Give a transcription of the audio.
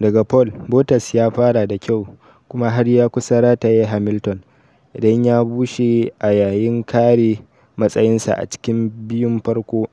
Daga pole, Bottas ya fara da kyau kuma har ya kusa rataye Hamilton don ya bushe a yayin kare matsayinsa a cikin biyun farko